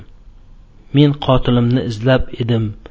men qotilimni izlab edim